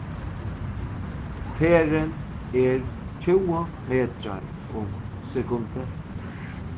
ferðin er tjúgu metrar um sekundi